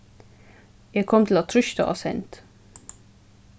eg kom til at trýsta á send